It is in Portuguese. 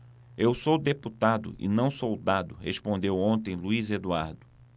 eu sou deputado e não soldado respondeu ontem luís eduardo